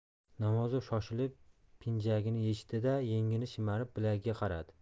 namozov shoshilib pidjagini yechdi da yengini shimarib bilagiga qaradi